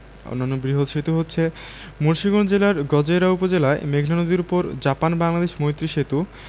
অন্যান্য বৃহৎ সড়ক সেতু হচ্ছে মুন্সিগঞ্জ জেলার গজারিয়া উপজেলায় মেঘনা নদীর উপর জাপান বাংলাদেশ মৈত্রী সেতু